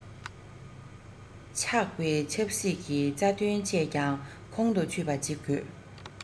ཆགས པའི ཆབ སྲིད ཀྱི རྩ དོན བཅས ཀྱང ཁོང དུ ཆུད པ བྱེད དགོས